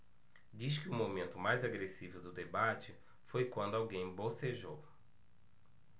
diz que o momento mais agressivo do debate foi quando alguém bocejou